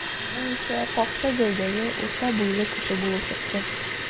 Ул исә какча гәүдәле, урта буйлы кеше булып чыкты.